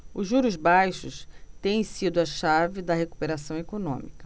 os juros baixos têm sido a chave da recuperação econômica